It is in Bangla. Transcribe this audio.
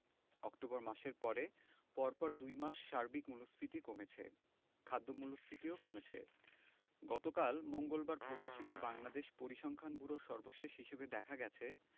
অক্টোবর মাসের পরে পরপর দুই মাস সার্বিক মূল্যস্ফীতি কমেছে খাদ্য মূল্যস্ফীতিও কমেছে গতকাল মঙ্গলবার প্রকাশিত বাংলাদেশ পরিসংখ্যান ব্যুরোর সর্বশেষ হিসাবে দেখা গেছে